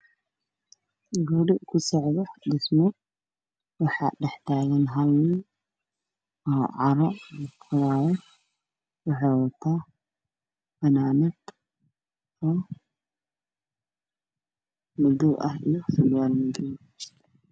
Waa guri ku socdo dhismo waxa dhaxtaagan hal nin